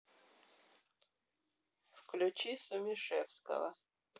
включи симушевского